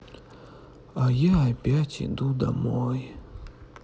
а я опять иду домой